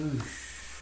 Yy.